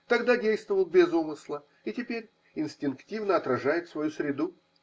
Тогда действовал без умысла и теперь инстинктивно отражает свою среду.